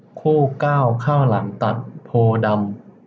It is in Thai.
คู่เก้าข้าวหลามตัดโพธิ์ดำ